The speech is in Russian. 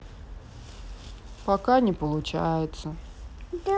пока не получается